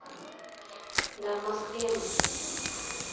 да в москве мы